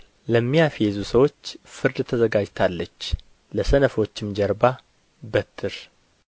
ለሚያፌዙ ሰዎች ፍርድ ተዘጋጅታለች ለሰነፎችም ጀርባ በትር